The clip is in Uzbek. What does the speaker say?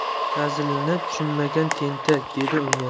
hazilni tushunmagan tentak dedi unga